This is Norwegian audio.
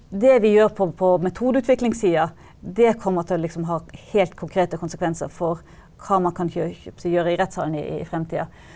det vi gjør på på metodeutviklingssida, det kommer til å liksom ha helt konkrete konsekvenser for hva man gjøre i rettsalen i fremtida.